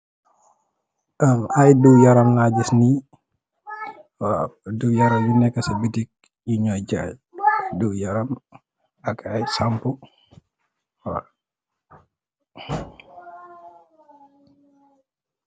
Am aye diw yaram la giss ni. Waaw diw yaram yu nekka si bitik, yu nyo jaaye diw yaram ak aye sampoo. Waaw.